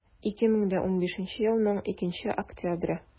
2015 елның 2 октябре